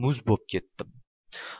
muz bo'b ketdim